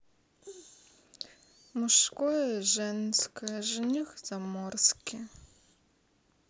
мужское и женское жених заморский